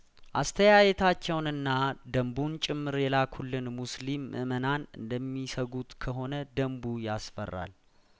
አስተያየታቸውንና ደንቡን ጭምር የላኩልን ሙስሊም ምእመናን እንደሚሰጉት ከሆነ ደንቡ ያስፈራል